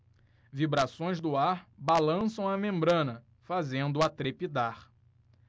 vibrações do ar balançam a membrana fazendo-a trepidar